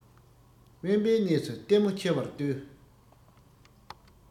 དབེན པའི གནས སུ ལྟད མོ ཆེ བར ལྟོས